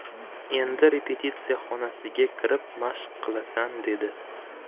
endi repetitsiya xonasiga kirib mashq qilasan dedi